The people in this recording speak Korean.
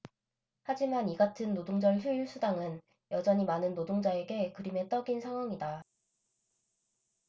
하지만 이같은 노동절 휴일수당은 여전히 많은 노동자에게 그림의 떡인 상황이다